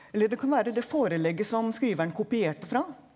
eller det kan være det forelegget som skriveren kopierte fra.